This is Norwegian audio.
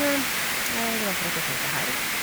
Jeg er glad for at det snart er helg.